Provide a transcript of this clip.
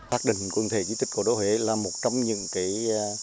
hoạch định quần thể di tích cố đô huế là một trong những cái a